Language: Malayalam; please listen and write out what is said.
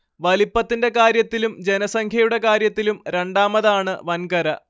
വലിപ്പത്തിന്റെ കാര്യത്തിലും ജനസംഖ്യയുടെ കാര്യത്തിലും രണ്ടാമതാണ് വൻകര